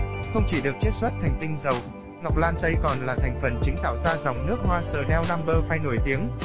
không chỉ được chiết xuất thành tinh dầu ngọc lan tây còn là thành phần chính để tạo ra dòng nước hoa chanel no nổi tiếng